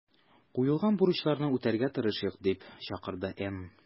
Куелган бурычларны үтәргә тырышыйк”, - дип чакырды Н.